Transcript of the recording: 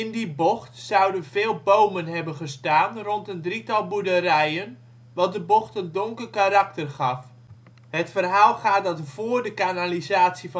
die bocht zouden veel bomen hebben gestaan rond een drietal boerderijen, wat de bocht een donker karakter gaf. Het verhaal gaat, dat voor de kanalisatie